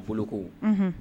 Boloko, unhun.